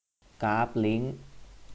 กราฟลิ้ง